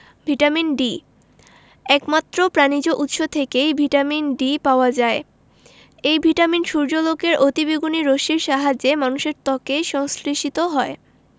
vitamin D একমাত্র প্রাণিজ উৎস থেকেই ভিটামিন ডি পাওয়া যায় এই ভিটামিন সূর্যালোকের অতিবেগুনি রশ্মির সাহায্যে মানুষের ত্বকে সংশ্লেষিত হয়